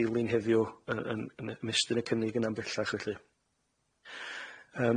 dilyn heddiw yy yn yn ymestyn y cynnig yna'n bellach felly.